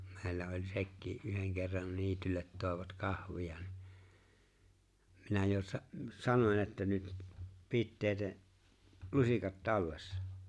meillä oli sekin yhden kerran niitylle toivat kahvia niin minä jo - sanon että nyt pitäkää lusikat tallessa